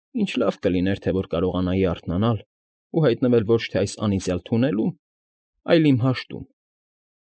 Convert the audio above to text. Ի՜նչ լավ կլիներ, թե որ կարողանայի արթնանալ ու հայտնվել ոչ թե այս անիծյալ թունելում, այլ իմ դաշտում։